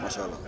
macha allah